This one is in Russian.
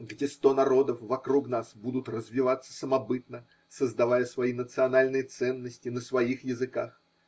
где сто народов вокруг нас будут развиваться самобытно, создавая свои национальные ценности на своих языках?